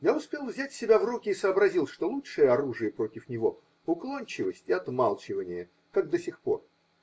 Я успел взять себя в руки и сообразил, что лучшее оружие против него -- уклончивость и отмалчивание, как до сих пор.